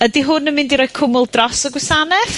Ydi hwn yn mynd i roi cwmwl dros y gwasaneth?